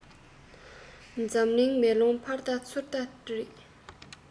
འཛམ གླིང མེ ལོང ཕར བལྟ ཚུར བལྟ རེད